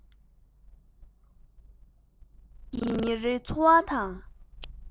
རང ཉིད ཀྱི ཉིན རེའི འཚོ བ དང